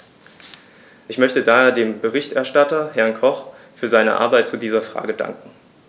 Ich möchte daher dem Berichterstatter, Herrn Koch, für seine Arbeit zu dieser Frage danken.